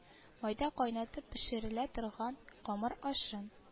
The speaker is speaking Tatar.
Майда кайнатып пешерелә торган камыр ашын